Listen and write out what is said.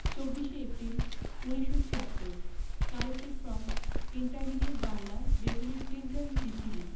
২৪শে April ১৯৭৬ collected from intermediate Bangla Bengali Clinton B Seely